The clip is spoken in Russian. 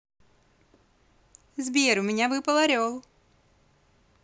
сбер у меня выпал орел